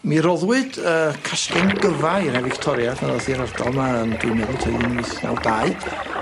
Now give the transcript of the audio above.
Mi roddwyd yy casgen gyfa i Victoria pan ddoth i'r ardal 'ma'n dwi'n meddwl tua un wyth naw dau.